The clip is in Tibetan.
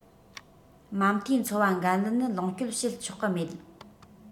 མ མཐའི འཚོ བ འགན ལེན ནི ལོངས སྤྱོད བྱེད ཆོག གི མེད